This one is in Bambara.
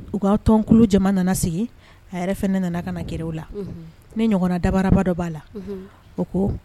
U kaaw tɔnonkulu jama nana sigi a yɛrɛ ne nana ka na g la ni ɲɔgɔnna dabararaba dɔ b'a la o ko